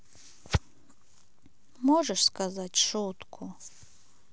можешь сказать шутку